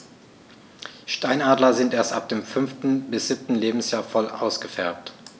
Steinadler sind erst ab dem 5. bis 7. Lebensjahr voll ausgefärbt.